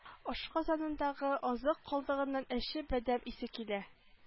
Ашказанындагы азык калдыгыннан әче бадәм исе килә